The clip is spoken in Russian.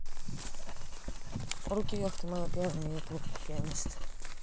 руки вверх ты моя пьяная я твой пианист